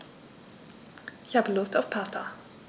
Ich habe Lust auf Pasta.